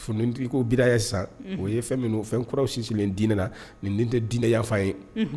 Funtigiko bila sisan o ye fɛn min o fɛn kuraw sin sigilen dinɛ na nin den tɛ dinɛ yanfan ye